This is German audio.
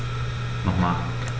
Nochmal.